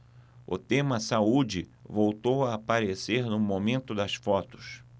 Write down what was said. o tema saúde voltou a aparecer no momento das fotos